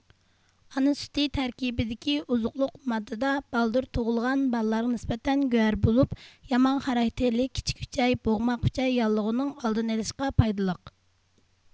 ئانا سۈتى تەركىبىدىكى ئوزۇقلۇق ماددىدا بالدۇر تۇغۇلغان بالىلارغا نىسبەتەن گۆھەر بولۇپ يامان خاراكتېرلىك كىچىك ئۈچەي بوغماق ئۈچەي ياللۇغىنىڭ ئالدىنى ئېلىشقا پايدىلىق